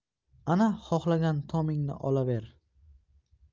ana xohlagan tomingni olaver